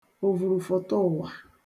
òvùrùfụ̀tụụ̀wà